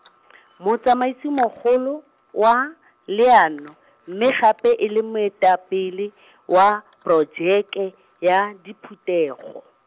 motsamaisi mogolo wa, leano, mme gape e le moetapele , wa porojeke, ya diphetogo.